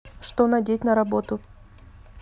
что надеть на работу